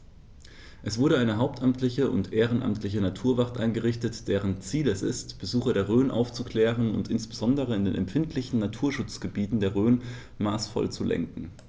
Es wurde eine hauptamtliche und ehrenamtliche Naturwacht eingerichtet, deren Ziel es ist, Besucher der Rhön aufzuklären und insbesondere in den empfindlichen Naturschutzgebieten der Rhön maßvoll zu lenken.